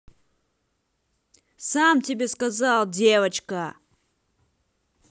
сам тебе сказал девочка